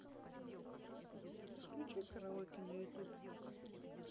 включи караоке на ютубе